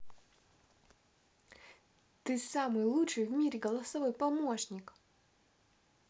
ты самый лучший в мире голосовой помощник